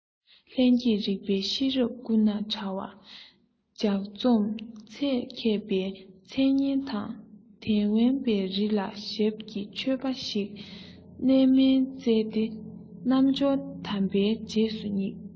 ལྷན སྐྱེས རིགས པའི ཤེས རབ སྐུ ན ཕྲ བར ལྗགས རྩོམ མཛད མཁས པའི མཚན སྙན བ དན དབེན པའི རི ལ ཞབས ཀྱིས ཆོས པ ཞིག གི གནས མལ བཙལ ཏེ རྣལ འབྱོར དམ པའི རྗེས སུ བསྙེགས